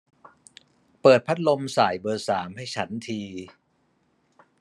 เปิดพัดลมส่ายเบอร์สามให้ฉันที